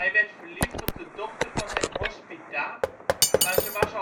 werd verliefd op de dochter van zijn hospita, maar ze was